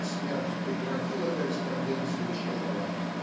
как смерть прекратила корреспонденцию Чехова